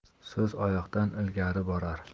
so'z oyoqdan ilgari borar